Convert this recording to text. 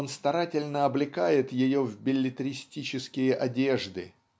он старательно облекает ее в беллетристические одежды.